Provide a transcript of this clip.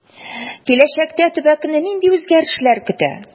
Киләчәктә төбәкне нинди үзгәрешләр көтә?